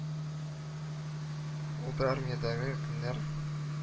Ул да армиядәге көннәр